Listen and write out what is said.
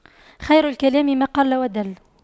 خير الكلام ما قل ودل